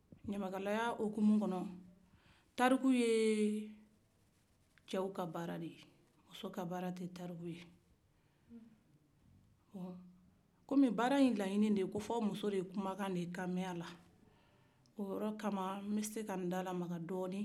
ɲamakala okumu kɔnɔ tariku ye cɛw ka baara de ye muso ka baara tɛ tariku ye komin baara laɲini ye ko fɔ muso de kukan ka min a la o yɔrɔ kama nbɛ se ka dalamaka dɔni